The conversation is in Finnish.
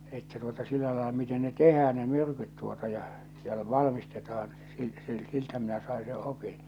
että tuota sillä lailla miten ne tehdään ne myrkyt tuota ja ja - valmistetaan -- siltä minä sain se opin